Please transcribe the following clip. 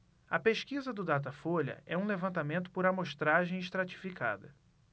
a pesquisa do datafolha é um levantamento por amostragem estratificada